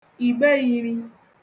ìgbeiri